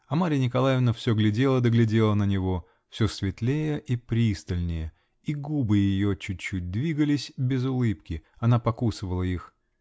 а Марья Николаевна все глядела да глядела на него -- все светлее и пристальнее, и губы ее чуть-чуть двигались, без улыбки: она покусывала их.